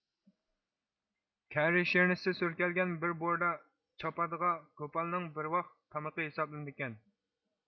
كەررى شىرنىسى سۈركەلگەن بىر بۇردا چاپادغا گۇپالنىڭ بىر ۋاخ تامىقى ھېسابلىنىدىكەن